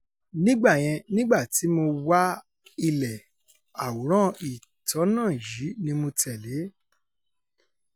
Nígbà yẹn, nígbà tí mò ń wa ilẹ̀, àwòrán-ìtọ́nà yìí ni mo tẹ̀lé.